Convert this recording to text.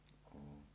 olen